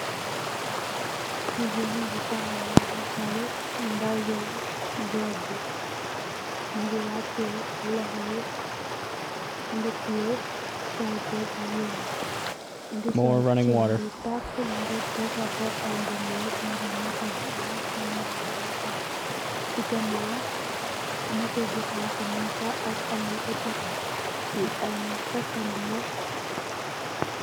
Jigéen bu taxaw, mu ngi sol, mbessenge, robbu, mu ngi waacee, loxo yu, mu ngi tiye, kalpe bu weex, mu ngi sol ceen buy takkë, defar boopam bi mees mu ngi "make up" bu, si ganaaw,"motto" bu xoñxu muñ fa, ak am na ku taxaw, fii ay nit takkandeer.